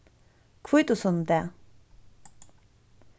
hvítusunnudag